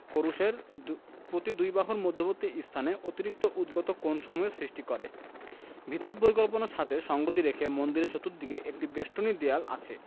ক্রুশের প্রতি দুই বাহুর মধ্যবর্তী স্থানে অতিরিক্ত উদ্গত কোণসমূহের সৃষ্টি করে ভিত্তি পরিকল্পনার সাথে সঙ্গতি রেখে মন্দিরের চতুর্দিকে একটি বেষ্টনী দেয়াল আছে